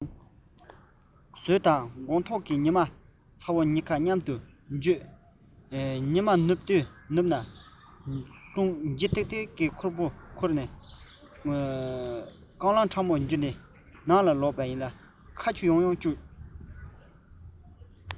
ཟས དང དགོང ཐོག གི ཉི མ ཚ བོ གཉིས ཀ མཉམ དུ བརྗེད ཉི མ ནུབ ན ལྷུང ལྗིད ཏིག ཏིག གི ཁུག མ ཁུར ནས གུར དུ ལོག མིག ནང སྐར མ ཁྲ ལམ ལམ ཤར ཕོ བ གཟེར ནས ཁ ཆུ ཡང ཡང བསྐྱུགས